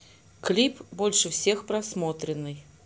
клип больше всех просмотренный